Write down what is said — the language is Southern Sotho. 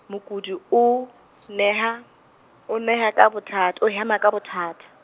mokudi o neha, o neha ka bothata, o hema ka bothata.